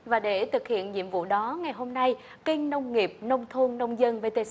và để thực hiện nhiệm vụ đó ngày hôm nay kinh nông nghiệp nông thôn nông dân vê tê